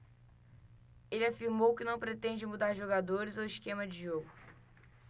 ele afirmou que não pretende mudar jogadores ou esquema de jogo